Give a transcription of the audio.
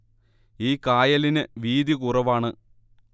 ഈ കായലിന് വീതികുറവാണ്